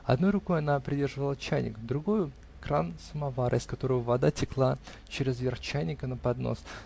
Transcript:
одной рукой она придерживала чайник, другою -- кран самовара, из которого вода текла через верх чайника на поднос.